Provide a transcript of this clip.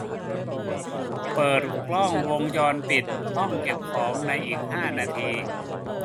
เปิดกล้องวงจรปิดห้องเก็บของในอีกห้านาที